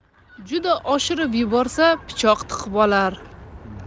juda oshirib yuborsa pichoq tiqib olar